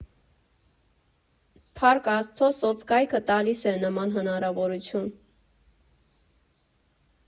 Փառք Աստծո, սոցկայքը տալիս է նման հնարավորություն։